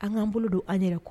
An k'an bolo don an yɛrɛ kɔ